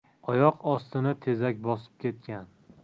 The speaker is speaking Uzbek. oyoq ostini tezak bosib ketgan